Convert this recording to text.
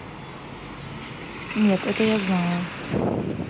нет я это знаю